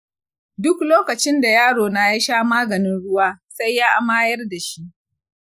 duk lokacin da yaro na ya sha maganin ruwa, sai ya amayar da shi.